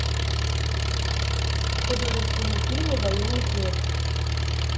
художественные фильмы военных лет